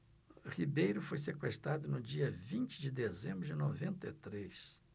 ribeiro foi sequestrado no dia vinte de dezembro de noventa e três